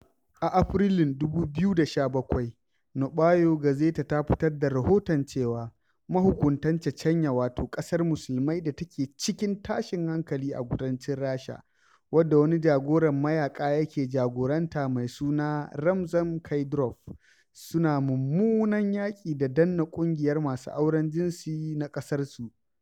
A Afrilun 2017, Noɓaya Gazeta ta fitar da rahoton cewa mahukuntan Chechnya, wata ƙasar Musulmai da take cikin tashin hankali a kudancin Rasha, wadda wani jagoran mayaƙa yake jagoranta mai suna Ramzan Kadyroɓ, suna mummunan yaƙi da danne ƙungiyar masu auren jinsi na ƙasarsu.